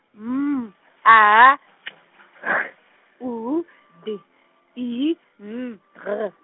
M A K H U B I N G.